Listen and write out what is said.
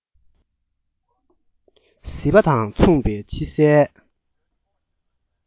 ཟིལ བ དང མཚུངས པའི ཕྱི གསལ